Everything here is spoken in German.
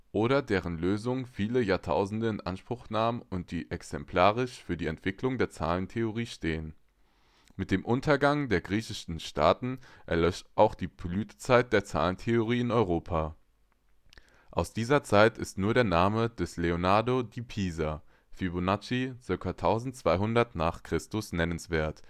oder deren Lösung viele Jahrtausende in Anspruch nahm und die exemplarisch für die Entwicklung der Zahlentheorie stehen. Mit dem Untergang der griechischen Staaten erlosch auch die Blütezeit der Zahlentheorie in Europa. Aus dieser Zeit ist nur der Name des Leonardo di Pisa (Fibonacci, ca. 1200 n. Chr.) nennenswert